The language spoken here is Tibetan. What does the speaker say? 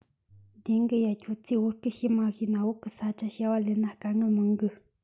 བདེན གི ཡ ཁྱོད ཚོས བོད སྐད བཤད མ ཤེས ན བོད གི ས ཆ བྱ བ ལས ན དཀའ ངལ མང གི